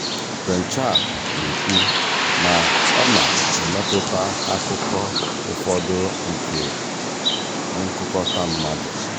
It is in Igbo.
Prem Chand na-ekwu na ọ na-emetụta akụkụ ụfọdụ nke ngụkọta mmadụ: